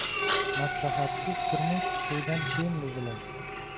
maslahatsiz turmush to'ydan keyin buzilar